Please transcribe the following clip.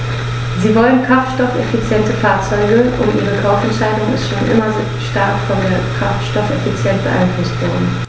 Sie wollen kraftstoffeffiziente Fahrzeuge, und ihre Kaufentscheidung ist schon immer stark von der Kraftstoffeffizienz beeinflusst worden.